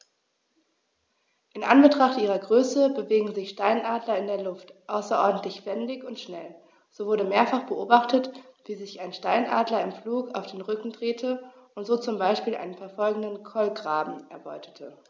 In Anbetracht ihrer Größe bewegen sich Steinadler in der Luft außerordentlich wendig und schnell, so wurde mehrfach beobachtet, wie sich ein Steinadler im Flug auf den Rücken drehte und so zum Beispiel einen verfolgenden Kolkraben erbeutete.